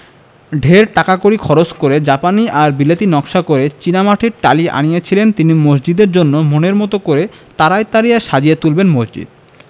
ঢের টাকাকড়ি খরচ করে জাপানি আর বিলেতী নকশা করা চীনেমাটির টালি আনিয়েছিলেন তিনি মসজিদের জন্যে মনের মতো করে তারায় তারায় সাজিয়ে তুললেন মসজিদ